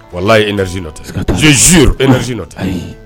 Walahi énergie nɔ tɛ sika t'a la je jure énergie nɔ tɛ ayi